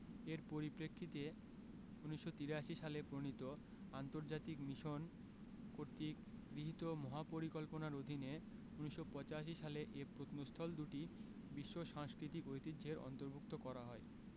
এর পরিপ্রেক্ষিতে ১৯৮৩ সালে প্রণীত আন্তর্জাতিক মিশন কর্তৃক গৃহীত মহাপরিকল্পনার অধীনে ১৯৮৫ সালে এ প্রত্নস্থল দুটি বিশ্ব সাংস্কৃতিক ঐতিহ্যের অন্তর্ভুক্ত করা হয়